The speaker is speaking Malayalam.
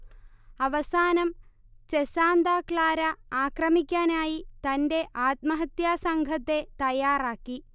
അവസാനം ചെസാന്താ ക്ലാര ആക്രമിക്കാനായി തന്റെ ആത്മഹത്യാ സംഘത്തെ തയ്യാറാക്കി